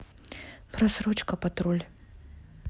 просрочка патруль